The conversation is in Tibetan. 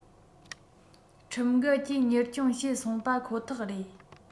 ཁྲིམས འགལ གྱིས གཉེར སྐྱོང བྱས སོང པ ཁོ ཐག རེད